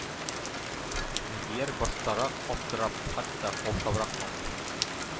Миндияр баштарак аптырап, хәтта каушабрак калды.